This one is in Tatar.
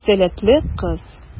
Сәләтле кыз.